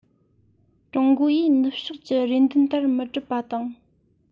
ཀྲུང གོ ཡིས ནུབ ཕྱོགས ཀྱི རེ འདུན ལྟར མི སྒྲུབ པ དང